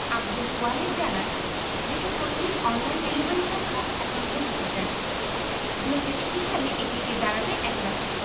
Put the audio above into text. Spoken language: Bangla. আবদুল ওয়াহেদ জানান দেশে প্রতিদিন অনলাইন ডেলিভারি সংখ্যা এখন ২৫ হাজার ২০২১ সালে এটি গিয়ে দাঁড়াবে ১ লাখে